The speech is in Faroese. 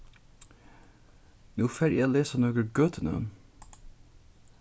nú fari eg at lesa nøkur gøtunøvn